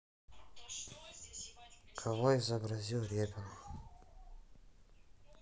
кого изобразил репин